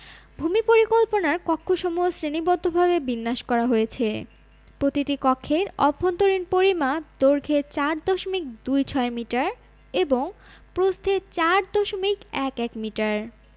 ভূমি পরিকল্পনায় কক্ষসমূহ শ্রেণীবদ্ধভাবে বিন্যাস করা হয়েছে প্রতিটি কক্ষের অভ্যন্তরীণ পরিমাপ দৈর্ঘ্যে ৪ দশমিক দুই ছয় মিটার এবং প্রস্থে ৪ দশমিক এক এক মিটার